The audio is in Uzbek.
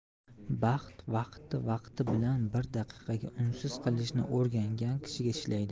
baxt vaqti vaqti bilan bir daqiqaga unsiz qilishni o'rgangan kishiga ishlaydi